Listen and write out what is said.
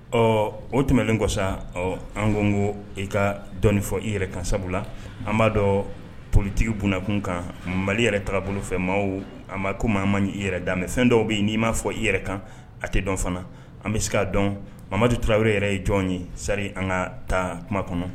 Ɔ o tɛmɛnen ko sa ɔ an ko n ko i ka dɔnɔnifɔ i yɛrɛ kan sabu la an b'a dɔn politigi bnakun kan mali yɛrɛ taga bolo fɛ maa a ma ko maa ma i yɛrɛ' mɛ fɛn dɔw bɛ yen n'i m maa fɔ i yɛrɛ kan a tɛ dɔn fana an bɛ se k' dɔn mamaduurab yɛrɛ ye jɔn ye sari an ka taa kuma kɔnɔ